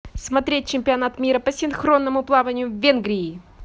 смотреть чемпионат мира по синхронному плаванию в венгрии